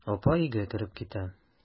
Апа өйгә кереп китә.